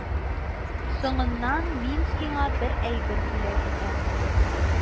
Соңыннан мин сиңа бер әйбер бүләк итәрмен